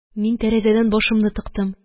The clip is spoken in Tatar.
Мин тәрәзәдән башымны тыктым